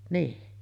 niin